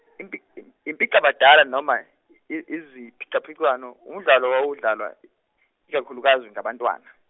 impi- i- impicabadala noma, i- izi- iziphicaphicwano, umdlalo owawudlalwa, ikakhulukazi ngabantwana.